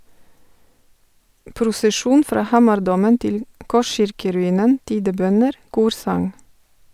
Prosesjon fra Hamardomen til korskirkeruinen, tidebønner, korsang.